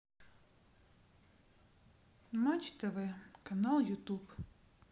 матч тв канал ютуб